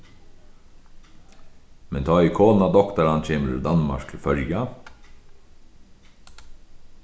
men tá ið kona doktaran kemur úr danmark til føroya